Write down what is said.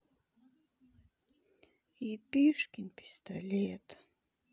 епишкин пистолет